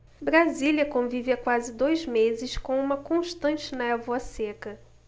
brasília convive há quase dois meses com uma constante névoa seca